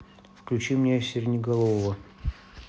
включи мне сиреноголового